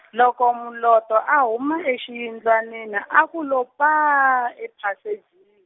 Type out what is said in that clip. loko Moloto a huma exiyindlwanini a ku lo paa ephase-.